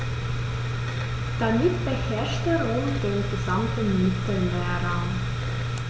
Damit beherrschte Rom den gesamten Mittelmeerraum.